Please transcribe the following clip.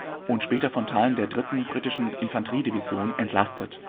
später von Teilen der 3. Britischen Infanteriedivision entlastet